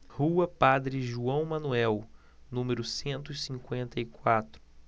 rua padre joão manuel número cento e cinquenta e quatro